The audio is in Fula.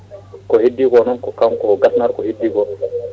ko heddi ko noon ko kanko gasnata ko heddi ko